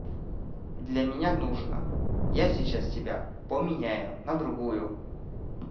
для меня нужно я сейчас тебя поменяю на другую